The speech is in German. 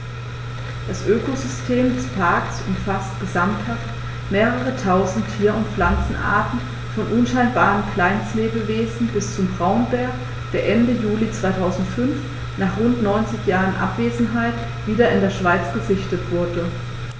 Das Ökosystem des Parks umfasst gesamthaft mehrere tausend Tier- und Pflanzenarten, von unscheinbaren Kleinstlebewesen bis zum Braunbär, der Ende Juli 2005, nach rund 90 Jahren Abwesenheit, wieder in der Schweiz gesichtet wurde.